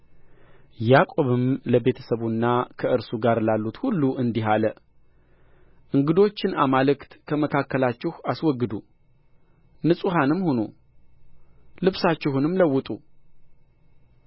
ያዕቆብም ለቤተ ሰቡና ከእርሱ ጋር ላሉት ሁሉ እንዲህ አለ እንግዶቹን አማልክት ከመካከላችሁ አስወግዱ ንጹሐንም ሁኑ ልብሳችሁንም ለውጡ